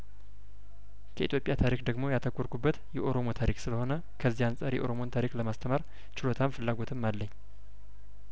ከኢትዮጵያ ታሪክ ደግሞ ያተኮርኩበት የኦሮሞ ታሪክ ስለሆነ ከዚያ አንጻር የኦሮሞን ታሪክ ለማስተማር ችሎታም ፍላጐትም አለኝ